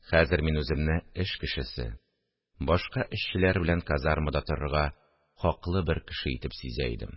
Хәзер мин үземне эш кешесе, башка эшчеләр белән казармада торырга хаклы бер кеше итеп сизә идем